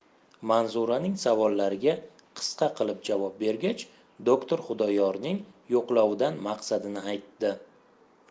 manzuraning savollariga qisqa qilib javob bergach doktor xudoyorning yo'qlovidan maqsadini aytdi